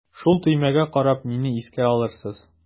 Шул төймәгә карап мине искә алырсыз.